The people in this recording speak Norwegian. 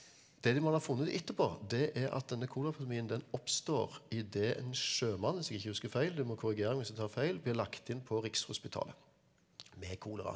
det de må ha funnet etterpå det er at denne koleraepidemien den oppstår i det en sjømann, hvis jeg ikke husker feil, du må korrigere meg hvis jeg tar feil, blir lagt inn på Rikshospitalet med kolera.